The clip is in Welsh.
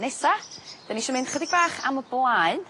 Nesa 'dan ni isio mynd chydig bach am y blaen